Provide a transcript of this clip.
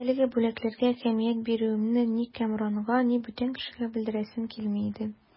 Ләкин әлеге бүләкләргә әһәмият бирүемне ни Кәмранга, ни бүтән кешегә белдерәсем килми иде.